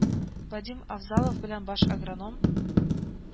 Вадим Авзалов белән баш агроном